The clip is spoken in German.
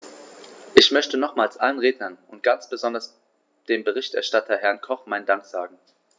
Ich möchte nochmals allen Rednern und ganz besonders dem Berichterstatter, Herrn Koch, meinen Dank sagen.